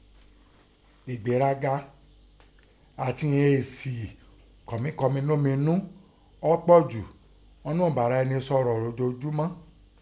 Ẹ̀gbéraga àtin ìnọn èsì ọ́ kọni lóminú nẹ ọ́ pọ̀jù ńnú ẹ̀bára ọni sọ̀rọ̀ ijoojúmọ́